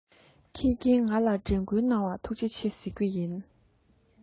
ཁྱེད ཀྱིན ང ལ དྲན ཀུར གནང བར ཐུག ཆེ ཟེར རྒྱུ ཡིན